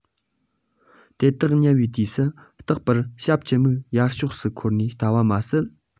དེ དག ཉལ བའི དུས སུ རྟག པར ཞབས ཀྱི མིག ཡར ཕྱོགས སུ འཁོར ནས ལྟ བ མ ཟད